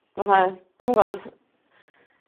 fatha dwi'm yn gw'o' odd